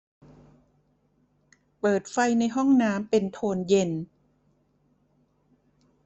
เปิดไฟในห้องน้ำเป็นโทนเย็น